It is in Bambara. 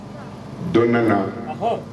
Dɔ nana ɔhɔ